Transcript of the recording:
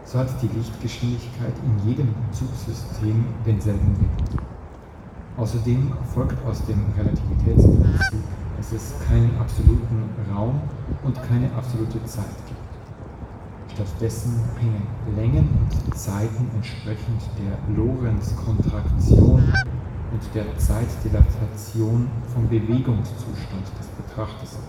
hat die Lichtgeschwindigkeit in jedem Bezugssystem denselben Wert. Außerdem folgt aus dem Relativitätsprinzip, dass es keinen absoluten Raum und keine absolute Zeit gibt. Stattdessen hängen Längen und Zeiten entsprechend der Lorentzkontraktion und der Zeitdilatation vom Bewegungszustand des Betrachters